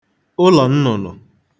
ụlọ̀ nnụ̀nụ̀